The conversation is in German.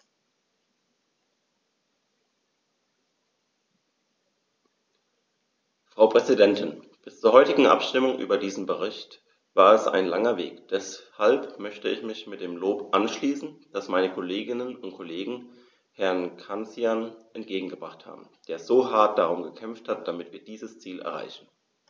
Frau Präsidentin, bis zur heutigen Abstimmung über diesen Bericht war es ein langer Weg, deshalb möchte ich mich dem Lob anschließen, das meine Kolleginnen und Kollegen Herrn Cancian entgegengebracht haben, der so hart darum gekämpft hat, damit wir dieses Ziel erreichen.